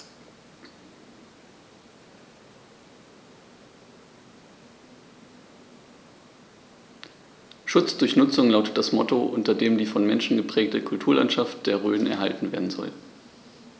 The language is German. „Schutz durch Nutzung“ lautet das Motto, unter dem die vom Menschen geprägte Kulturlandschaft der Rhön erhalten werden soll.